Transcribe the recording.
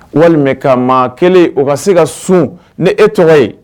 Walimɛ ka maa kelen o ka se ka sun ni e tɔgɔ ye